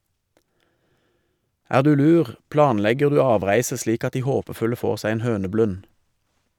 Er du lur, planlegger du avreise slik at de håpefulle får seg en høneblund.